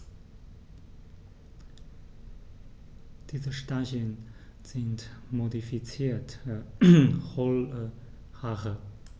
Diese Stacheln sind modifizierte, hohle Haare.